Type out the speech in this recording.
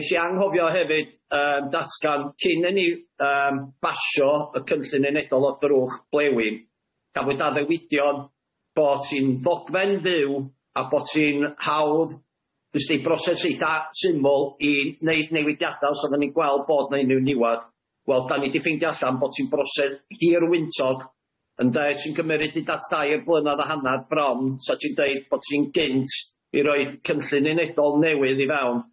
Nes i anghofio hefyd yym datgan cyn i ni yym basio y cynllun unedol o drwch blewyn gafwyd addewidion bo' ti'n ddogfen fyw a bo' ti'n hawdd jyst i broses eitha syml i neud newidiada os oddan ni'n gweld bod na unryw niwad wel da ni di ffeindio allan bo' ti'n brosed hir wyntog, ynde sy'n cymeryd i dat dau'r blynadd a hannadd bron so ti'n deud bo' ti'n gynt i roid cynllun unedol newydd i fewn.